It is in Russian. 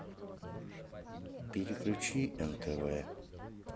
переключи нтв